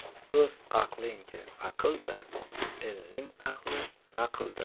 o'z aqling aqldir elning aqli naqldir